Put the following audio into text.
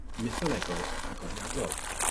mytholegol agoriadol.